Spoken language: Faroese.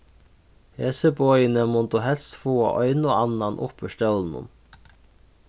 hesi boðini mundu helst fáa ein og annan upp úr stólinum